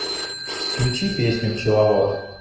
включи песню пчеловод